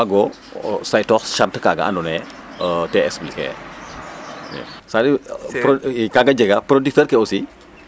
o waag o saytoox charte kaaga andoona yee te expliquer e i ca dire e kaaga jega producteur ke aussi